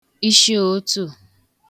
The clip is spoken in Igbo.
ishi ụ̀ụtụ̀